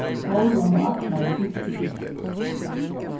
sólrun og agnar kystust